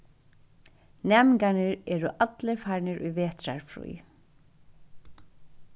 næmingarnir eru allir farnir í vetrarfrí